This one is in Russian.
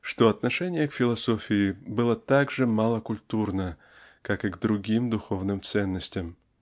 что отношение к философии было так же малокультурно как и к другим духовным ценностям